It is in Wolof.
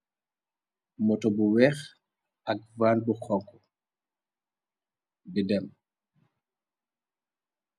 moto bu weex ak van bu xonku bi dém c cawtali